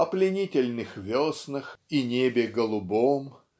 -- о пленительных веснах и небе голубом.